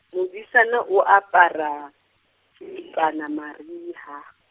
Modisana o apara, setipana mariha.